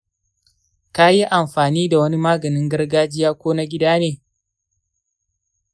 ka yi amfani da wani maganin gargajiya ko na gida ne?